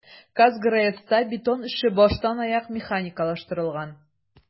"казгрэс"та бетон эше баштанаяк механикалаштырылган.